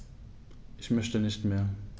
Ich möchte nicht mehr.